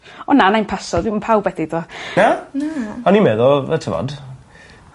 O na 'nai'm paso. Dwi'm pawb wedi do? Na? Na. O'n i meddwl ma' t'mod